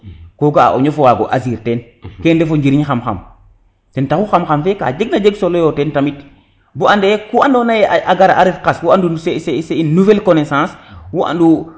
ko ga'a o njofo wago agir ten kene ref o njiriñ xam xam ten taxu xam xam fe ka jeg na jeg solo yo tamit bo ande ku ando naye a gara a ref qas wo andu c'est une nouvelle connaissance wo andu na